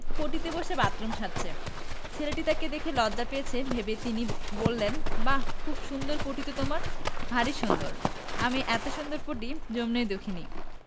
পটিতে বসে বাথরুম সারছে ছেলেটি তাকে দেখে লজ্জা পেয়েছে ভেবে তিনি বললেন বাহ খুব সুন্দর পটি তো তোমার ভারী সুন্দর আমি এত সুন্দর পটি জন্মেও দেখিনি